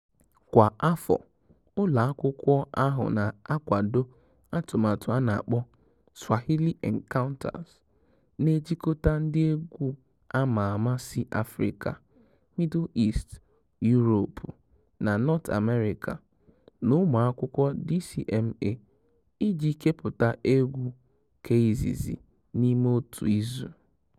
Kwa afọ, ụlọakwụkwọ ahụ na-akwado atụmatụ a na-akpọ "Swahili Encounters", na-ejikọta ndị egwu ama ama si Afịrịka, Middle East, Europe na North Amerika na ụmụakwụkwọ DCMA iji kepụta egwu keizizi n'ime otu izu.